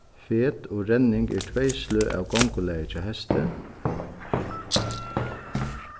fet og renning eru tvey sløg av gongulagi hjá hesti